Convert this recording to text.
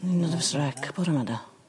O'n i'n nervous wreck bora 'ma 'da.